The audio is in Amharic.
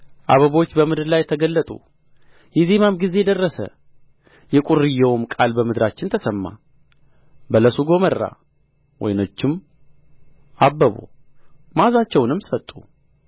አበቦች በምድር ላይ ተገለጡ የዜማም ጊዜ ደረሰ የቊርዬውም ቃል በምድራችን ተሰማ በለሱ ጐመራ ወይኖችም አበቡ መዓዛቸውንም ሰጡ